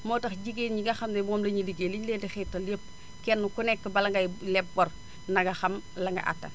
moo tax jigéen ñi nga xam ne moom lañuy ligéey li ñu leen di xiirtal lépp kenn ku nekk bala ngay leb bor na nga xam la nga attan